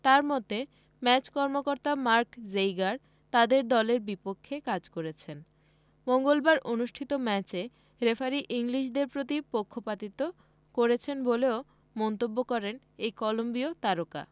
তার মতে ম্যাচ কর্মকর্তা মার্ক জেইগার তাদের দলের বিপক্ষে কাজ করেছেন মঙ্গলবার অনুষ্ঠিত ম্যাচে রেফারি ইংলিশদের প্রতি পক্ষিপাতিত্ব করেছেন বলেও মন্তব্য করেন এই কলম্বিয় তারকা